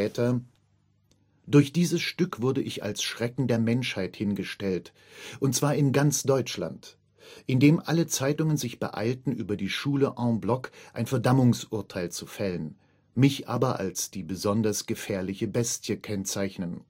später: „ Durch dieses Stück wurde ich als Schrecken der Menschheit hingestellt und zwar in ganz Deutschland, indem alle Zeitungen sich beeilten, über die Schule en bloc ein Verdammungsurteil zu fällen, mich aber als die besonders gefährliche Bestie zu kennzeichnen